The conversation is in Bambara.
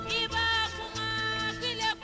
I ba kun deli